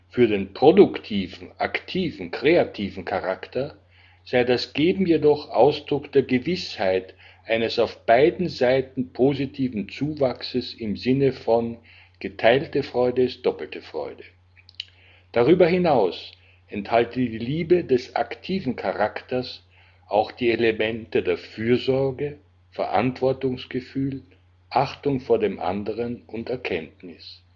Für den produktiven (aktiven, kreativen) Charakter sei das Geben jedoch Ausdruck der Gewissheit eines auf beiden Seiten positiven Zuwachses im Sinne von „ Geteilte Freude ist doppelte Freude “. Darüber hinaus enthalte die Liebe des aktiven Charakters auch die Elemente der Fürsorge, Verantwortungsgefühl, Achtung vor dem Anderen und Erkenntnis